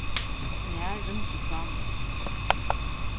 snar rýmdi frá mær